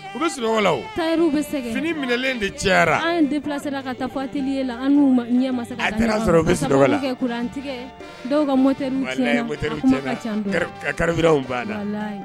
Len deyara ansira ka taa dɔw